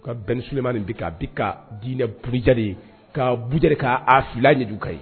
Ka bɛn sulima min bi a bɛ ka diinɛ buruja ka bujɛ k' a fila dedu ka ye